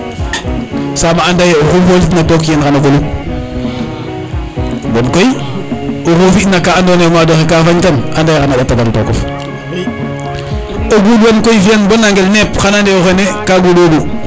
sam a ande ye oxu folit na took yen xano ɓolu bon koy oxu fina ka ando naye o mado xe ka fañ tan andiye xana ndata dal tokof o gund wan koy fiyan bo nanel neep xano ande o xene ka gundo gu